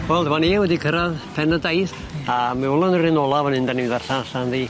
Wel dyma ni wedi cyrradd pen y daith a ma' 'wn yn yr un ola fan yyn 'dan ni'n ddarllen allan ddi.